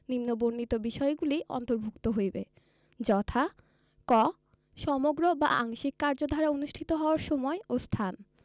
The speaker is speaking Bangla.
নিম্নবর্ণিত বিষয়গুলি অন্তর্ভুক্ত হইবে যথা ক সমগ্র বা আংশিক কার্যধারা অনুষ্ঠিত হওয়ার সময় ও স্থান